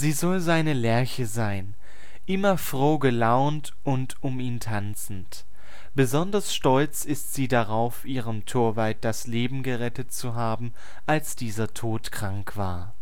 soll seine „ Lerche “,„ kleine Nora “sein, immer froh gelaunt und um ihn tanzend. Besonders stolz ist sie darauf, ihrem Torvald das Leben gerettet zu haben, als dieser todkrank war